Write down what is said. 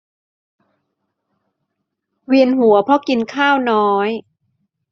เวียนหัวเพราะกินข้าวน้อย